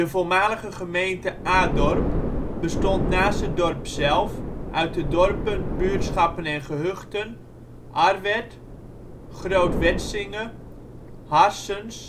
voormalige gemeente Adorp bestond naast het dorp zelf uit de dorpen, buurtschappen en gehuchten: Arwerd, Groot Wetsinge, Harssens